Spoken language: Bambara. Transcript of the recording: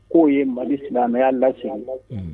K'o ye mali silamɛmɛya la an la